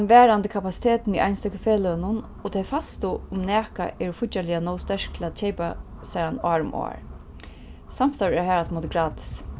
tann varandi kapasitetin í einstøku feløgunum og tey fæstu um nakað eru fíggjarliga nóg sterk til at keypa sær hann ár um ár samstarv er harafturímóti gratis